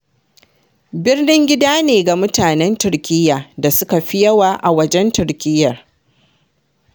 Birnin gida ne ga mutanen Turkiyya da suka fi yawa a wajen Turkiyyar.